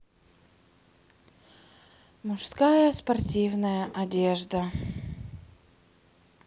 мужская спортивная одежда